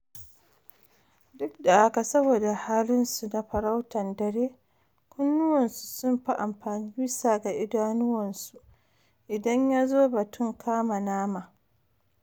Duk da haka, saboda halin su na farautan dare kunnuwan su sun fi amfani bisa ga idanuwansu idan yazo batun kama nama.